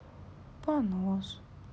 понос